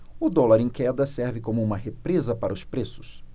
o dólar em queda serve como uma represa para os preços